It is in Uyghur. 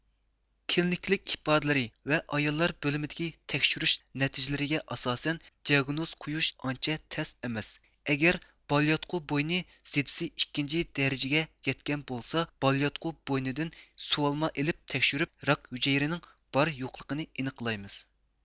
كېلنىكلىق ئىپادىلىرى ۋە ئاياللار بۆلۈمىدىكى تەكشۈرۈش نەتىجىلىرىگە ئاساسەن دىئاگنوز قويۇش ئانچە تەس ئەمەس ئەگەر بالىياتقۇ بوينى زېدىسى ئىككىنچى دەرىجىگە يەتكەن بولسا بالىياتقۇ بوينىدىن سۇۋالما ئېلىپ تەكشۈرۈپ راك ھۈجەيرىنىڭ بار يوقلىغىنى ئېنىقلايمىز